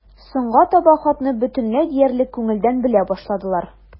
Соңга таба хатны бөтенләй диярлек күңелдән белә башладылар.